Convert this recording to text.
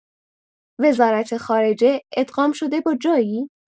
وزارت‌خارجه ادغام شده با جایی؟